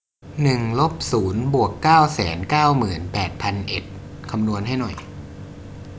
หนึ่งลบศูนย์บวกเก้าแสนเก้าหมื่นแปดพันเอ็ดคำนวณให้หน่อย